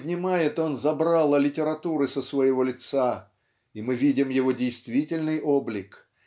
поднимает он забрало литературы со своего лица и мы видим его действительный облик